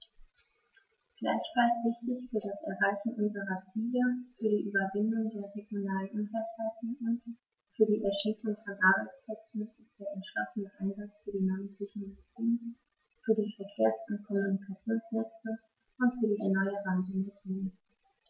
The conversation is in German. Gleichfalls wichtig für das Erreichen unserer Ziele, für die Überwindung der regionalen Ungleichheiten und für die Erschließung von Arbeitsplätzen ist der entschlossene Einsatz für die neuen Technologien, für die Verkehrs- und Kommunikationsnetze und für die erneuerbaren Energien.